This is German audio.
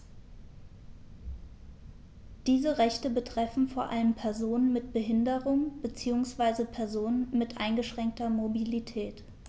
Diese Rechte betreffen vor allem Personen mit Behinderung beziehungsweise Personen mit eingeschränkter Mobilität.